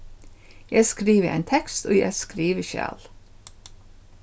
eg skrivi ein tekst í eitt skriviskjal